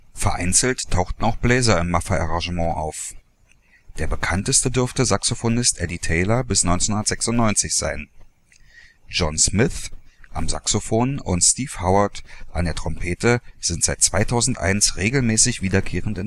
Vereinzelt tauchten auch Bläser im Maffay-Arrangement auf. Der bekannteste dürfte Saxophonist Eddie Taylor (bis 1996) sein. John Smith (Saxophon) und Steve Howard (Trompete) sind seit 2001 regelmäßig wiederkehrend